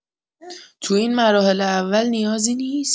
تو این مراحل اول نیازی نیست؟